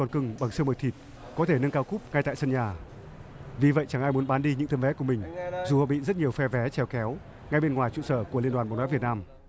con cưng bằng xương bằng thịt có thể nâng cao cúp ngay tại sân nhà vì vậy chẳng ai muốn bán đi những tấm vé của mình dù bị rất nhiều phe vé chèo kéo ngay bên ngoài trụ sở của liên đoàn bóng đá việt nam